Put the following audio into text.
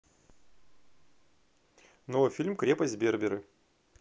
новый фильм крепость берберы